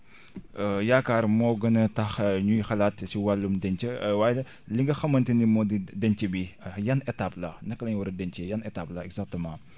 yaakaar moo gën a tax ñuy xalaat si wàllum denc waaye li nga xamante ni moo di denc bi yan étape la naka lañ war a dencee yan étape la exactement